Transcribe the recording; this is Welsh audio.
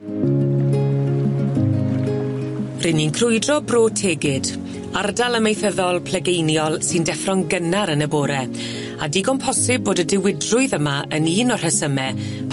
R'yn ni'n crwydro Bro Tegid, ardal amaethyddol plegeiniol sy'n deffro'n gynnar yn y bore a digon posib bod y diwydrwydd yma yn un o rhesyme